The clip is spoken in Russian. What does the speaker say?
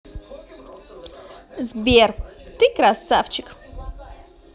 сбер ты красавчик